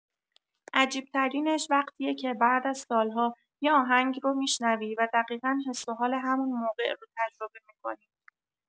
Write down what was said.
عجیب‌ترینش وقتیه که بعد از سال‌ها یه آهنگ رو می‌شنوی و دقیقا حس و حال همون موقع رو تجربه می‌کنی.